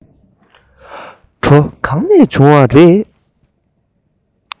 གྲོ གང ནས བྱུང བ རེད